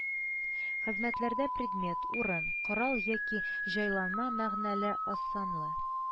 Хезмәтләрдә предмет, урын, корал яки җайланма мәгънәле азсанлы